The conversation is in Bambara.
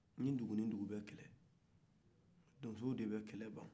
ni dugu ni dugu bɛ kelɛ donsow de bɛ kɛlɛ ba